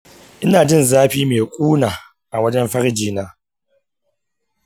ina jin zafi mai ƙuna a wajen farjina.